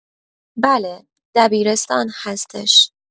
بله دبیرستان هستش